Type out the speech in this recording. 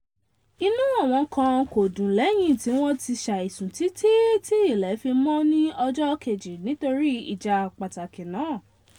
Ìnú àwọn kan kò dùn lẹ́yìn tí wọ́n ti ṣàìsùn títí tí ilẹ̀ fi mọ́ ní ọjọ́ kejì nítorí ìjà pàtàkì náà.